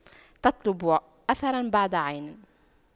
تطلب أثراً بعد عين